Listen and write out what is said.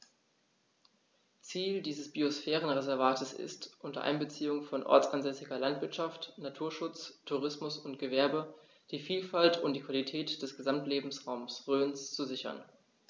Ziel dieses Biosphärenreservates ist, unter Einbeziehung von ortsansässiger Landwirtschaft, Naturschutz, Tourismus und Gewerbe die Vielfalt und die Qualität des Gesamtlebensraumes Rhön zu sichern.